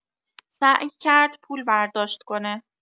سعی کرد پول برداشت کنه.